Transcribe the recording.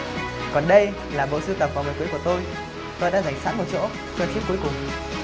còn đây là bộ sưu tập vòng nguyệt quế của tôi tôi đã dành sẵn một chỗ cho chiếc cuối cùng